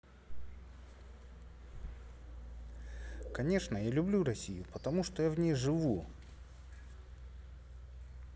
конечно я люблю россию потому что я в ней живу